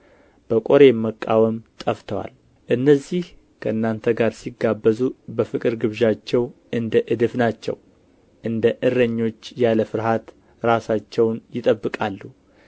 በቆሬም መቃወም ጠፍተዋል እነዚህ ከእናንተ ጋር ሲጋበዙ በፍቅር ግብዣችሁ እንደ እድፍ ናቸው እንደ እረኞች ያለ ፍርሃት ራሳቸውን ይጠብቃሉ